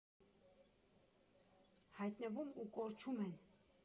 Հայտնվում ու կորչում են։